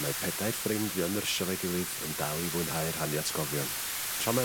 ...mae pedair ffrind fuo'n nyrsio efo'i gilydd yn dal i fwynhau rhannu atgofion. Tra mae...